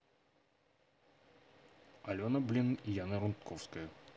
алена блин яна рудковская